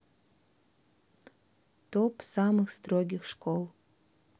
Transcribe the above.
топ самых строгих школ